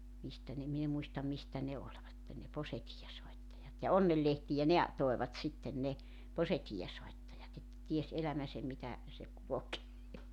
mistä ne minä en muista mistä ne olivat ne posetiivinsoittajat ja onnenlehtiä ne - toivat sitten ne posetiivinsoittajat että tiesi elämänsä mitä se kulkee